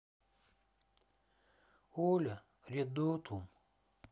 оля редотум